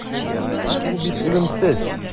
Ул бит үлемсез.